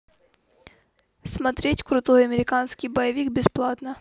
смотреть крутой американский боевик бесплатно